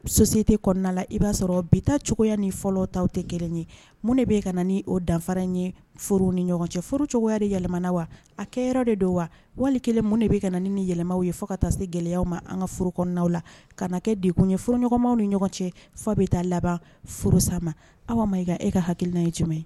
Soso sete kɔnɔna la i b'a sɔrɔ bi cogoyaya ni fɔlɔ tɔw tɛ kelen ye mun de bɛ ka ni o danfara in ye ni ɲɔgɔn cɛ fcogoya de yɛlɛmana wa a kɛ yɔrɔ de don wa wali minnu de bɛ ka ni yɛlɛmaw ye fɔ ka taa se gɛlɛya ma an ka furu kɔnɔnw la ka na kɛ dekun ye f ɲɔgɔnw ni ɲɔgɔn cɛ fɔ bɛ taa laban furusa ma aw ma i ka e ka hakilikil ye jumɛn ye